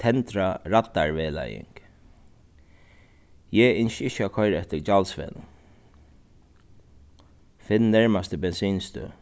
tendra raddarvegleiðing eg ynski ikki at koyra eftir gjaldsvegnum finn nærmastu bensinstøð